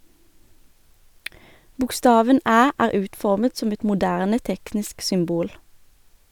Bokstaven Æ er utformet som et moderne, teknisk symbol.